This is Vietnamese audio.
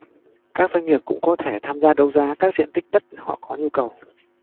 các doanh nghiệp cũng có thể tham gia đấu giá các diện tích đất họ có nhu cầu